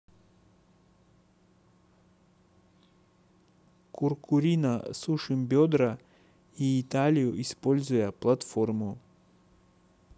куркурина сушим бедра и италию используя платформу